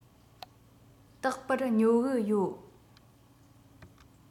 རྟག པར ཉོ གི ཡོད